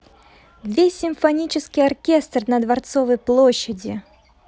весь симфонический оркестр на дворцовой площади